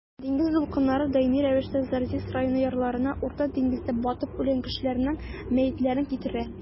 Диңгез дулкыннары даими рәвештә Зарзис районы ярларына Урта диңгездә батып үлгән кешеләрнең мәетләрен китерә.